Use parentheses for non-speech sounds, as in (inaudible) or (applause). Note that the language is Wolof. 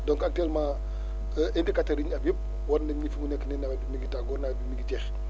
donc actuelement (breath) indicateurs yi ñu am yëpp wan nañ ni fi mu nekk nii nawet bi mi ngi tàggoo nawet bi mi ngi jeex